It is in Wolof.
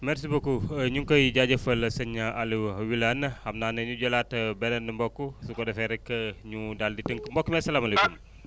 merci beaucoup ñu ngi koy jaajëfal sëñ Aliou Wilane xam naa dañuy jëlaat beneen mbokku su ko defee rek ñu daal di tënk mbokk mi asalaamaaleykum